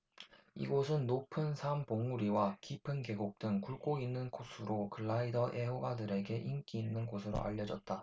이곳은 높은 산봉우리와 깊은 계곡 등 굴곡 있는 코스로 글라이더 애호가들에게 인기 있는 곳으로 알려졌다